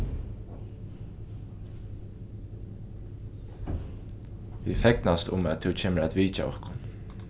vit fegnast um at tú kemur at vitja okkum